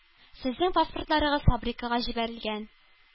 Сезнең паспортларыгыз фабрикага җибәрелгән.